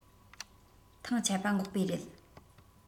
ཐང ཆད པ འགོག པའི རེད